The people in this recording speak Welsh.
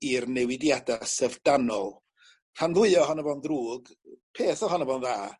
i'r newidiada syfrdanol rhan fwya ohono fo'n ddrwg peth ohono fo'n dda